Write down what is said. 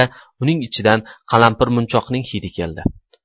uning ichidan qalampirmunchoqning hidi keldi